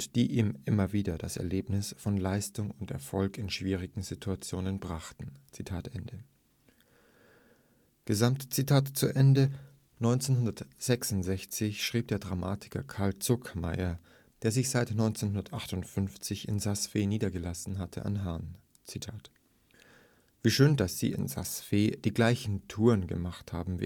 die ihm immer wieder das Erlebnis von Leistung und Erfolg in schwierigen Situationen brachten. ‘“1966 schrieb der Dramatiker Carl Zuckmayer, der sich seit 1958 in Saas Fee niedergelassen hatte, an Hahn: „ Wie schön, dass Sie in Saas Fee die gleichen Touren gemacht haben